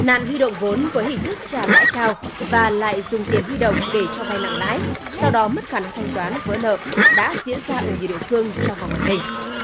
nạn huy động vốn với hình thức trả lãi cao và lại dùng tiền huy động để cho vay nặng lãi sau đó mất khả năng thanh toán vỡ nợ đã diễn ra ở nhiều địa phương trong và ngoài tỉnh